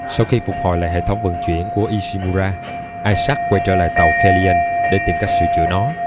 sau khi phục hồi lại hệ thống vận chuyển của ishimura isaac quay trở lại tàu kellion để tìm cách sửa chữa nó